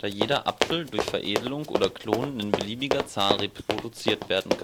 jeder Apfel durch Veredelung oder Klonen in beliebiger Zahl reproduziert werden